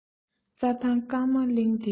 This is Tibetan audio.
རྩ ཐང སྐར མ གླིང འདི